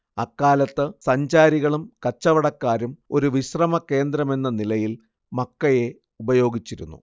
അക്കാലത്ത് സഞ്ചാരികളും കച്ചവടക്കാരും ഒരു വിശ്രമ കേന്ദ്രമെന്ന നിലയിൽ മക്കയെ ഉപയോഗിച്ചിരുന്നു